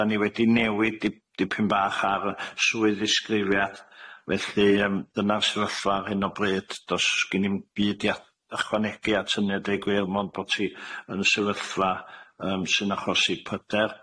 Dan ni wedi newid dip- dipyn bach ar y swydd ddisgrifiad felly yym dyna'r sefyllfa ar hyn o bryd do's gin i'm byd i a- ychwanegu at hynny a deud gwir mond bod hi yn sefyllfa yym sy'n achosi pydel.